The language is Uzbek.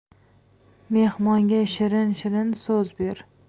mehmonga shirin so'z ber